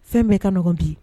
Fɛn bɛɛ kaɔgɔn bi